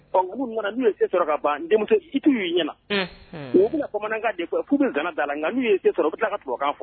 Ɔ nka n'u nana n'u ye se sɔrɔ ka ban denmuso ɲɛna, unhun, u bɛna bamanankan de fɔ, f'u bɛ zana da la, nka n'u ye se sɔrɔ, u bɛ tila ka tubabu kan fɔ.